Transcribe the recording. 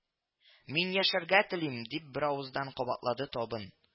— мин яшәргә телим! — дип беравыздан кабатлады табын